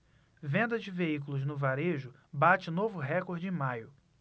venda de veículos no varejo bate novo recorde em maio